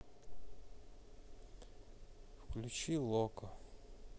включи локо